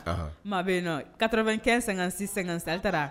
Maa bɛ yen katoɔrɔ kɛ sansi san salitara